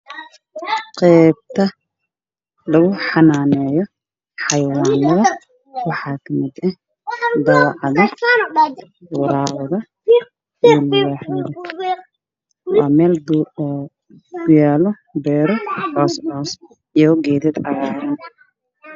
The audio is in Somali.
Waa qeybta lagu xanaaneyo ugaarta